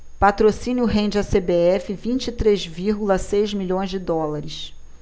patrocínio rende à cbf vinte e três vírgula seis milhões de dólares